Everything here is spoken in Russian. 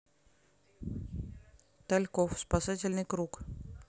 тальков спасательный круг